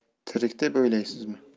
tirik deb o'ylaysizmi